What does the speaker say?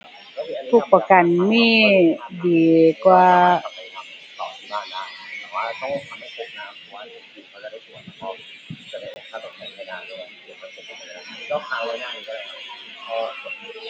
ทุกประกันมีดีกว่า